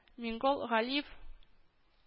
Миңгол Галиев